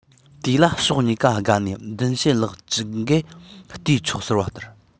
དེ ལ ཕྱོགས གཉིས ཀ དགའ ན སྡུམ བྱེད ལུགས ཇི འགབ བལྟས ཆོག ཟེར བ ལྟར